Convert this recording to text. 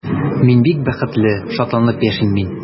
Мин бик бәхетле, шатланып яшим мин.